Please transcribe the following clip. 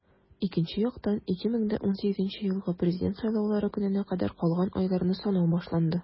Икенче яктан - 2018 елгы Президент сайлаулары көненә кадәр калган айларны санау башланды.